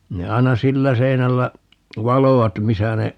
ne aina sillä seinällä valoivat missä ne